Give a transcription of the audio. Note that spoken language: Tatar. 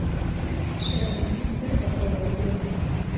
Чыраеңнан бер дә алай күренми!